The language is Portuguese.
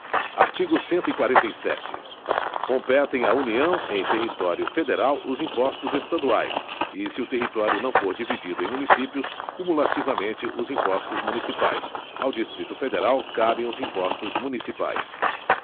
artigo cento e quarenta e sete competem à união em território federal os impostos estaduais e se o território não for dividido em municípios cumulativamente os impostos municipais ao distrito federal cabem os impostos municipais